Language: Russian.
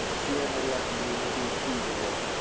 и все нарядные мотыльки его